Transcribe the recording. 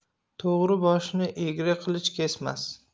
to'g'ri boshni egri qilich kesmas